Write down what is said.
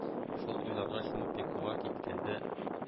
Шул уйларга чумып йокыга киткәндә